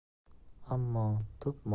ammo tub mohiyatiga